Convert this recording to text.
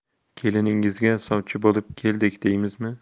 keliningizga sovchi bo'lib keldik deymizmi